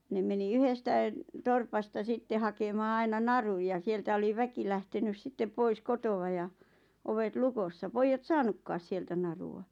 ne meni yhdestä torpasta sitten hakemaan aina narun ja sieltä oli väki lähtenyt sitten pois kotoa ja ovet lukossa pojat saanutkaan sieltä narua